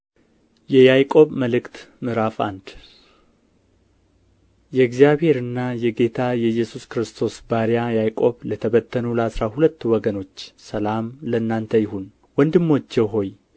የያዕቆብ መልእክት ምዕራፍ አንድ የእግዚአብሔርና የጌታ የኢየሱስ ክርስቶስ ባሪያ ያዕቆብ ለተበተኑ ለአሥራ ሁለቱ ወገኖች ሰላም ለእናንተ ይሁን ወንድሞቼ ሆይ